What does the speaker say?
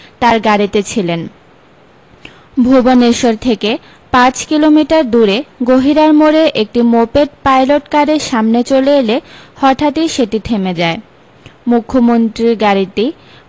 তার গাড়িতে ছিলেন ভুবনেশ্বর থেকে পাঁচ কিলোমিটার দূরে গহিরার মোড়ে একটি মোপেড পাইলট কারের সামনে চলে এলে হঠাতি সেটি থেমে যায় মুখ্যমন্ত্রীর গাড়িটি